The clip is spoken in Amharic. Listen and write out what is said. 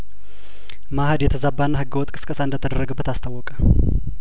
መአህድ የተዛባና ህገወጥ ቅስቀሳ እንደተደረገበት አስታወቀ